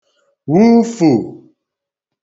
wufù